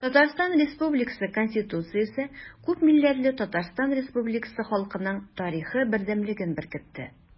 Татарстан Республикасы Конституциясе күпмилләтле Татарстан Республикасы халкының тарихы бердәмлеген беркетте.